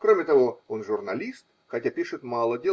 Кроме того, он журналист, хотя пишет мало